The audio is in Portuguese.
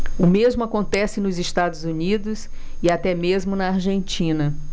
o mesmo acontece nos estados unidos e até mesmo na argentina